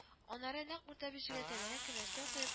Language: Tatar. Аннары нәкъ урта бер җиргә тәбәнәк кенә өстәл куеп